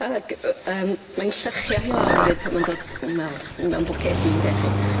Ag yy yym mae'n llychio hi lawr efyd pan ma'n dod yym wel mewn bwcedi ynde chi?